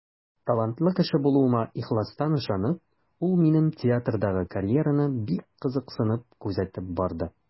Талантлы кеше булуыма ихластан ышанып, ул минем театрдагы карьераны бик кызыксынып күзәтеп барды.